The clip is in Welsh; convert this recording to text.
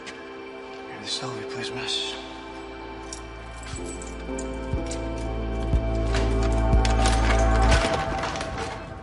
Gai mynd i cell fi plîs Miss? Cerddoriaeth>